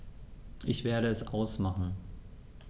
Ich werde es ausmachen